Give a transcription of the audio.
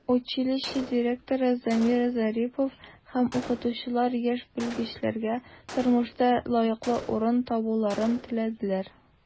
Училище директоры Замир Зарипов һәм укытучылар яшь белгечләргә тормышта лаеклы урын табуларын теләделәр.